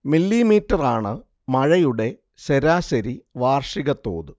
മില്ലീമീറ്ററാണ് മഴയുടെ ശരാശരി വാർഷിക തോത്